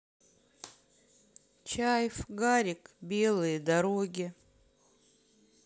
чайф гарик белые дороги